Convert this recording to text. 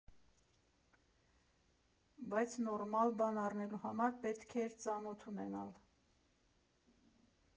Բայց նորմալ բան առնելու համար պետք էր ծանոթ ունենալ։